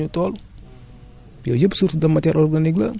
source de matière organique la mën nañu koo jëfandikoo directement suñuy tool